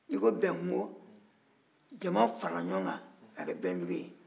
n'i ko bɛnkungo jama farala ɲɔgɔn kan k'a kɛ bɛnkungo ye